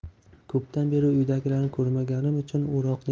ko'pdan beri uydagilarni ko'rmaganim uchun